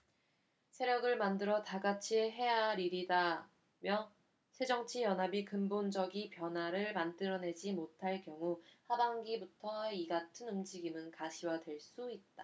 세력을 만들어 다같이 해야할 일이다라며 새정치연합이 근본적이 변화를 만들어내지 못할 경우 하반기부터 이같은 움직임은 가시화될 수 있다